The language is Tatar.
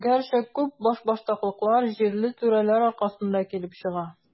Гәрчә, күп башбаштаклыклар җирле түрәләр аркасында килеп чыга.